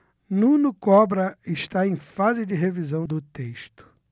nuno cobra está em fase de revisão do texto